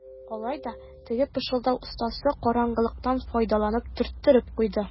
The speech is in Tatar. Алай да теге пышылдау остасы караңгылыктан файдаланып төрттереп куйды.